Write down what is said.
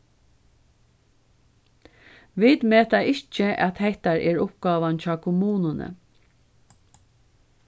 vit meta ikki at hetta er uppgávan hjá kommununi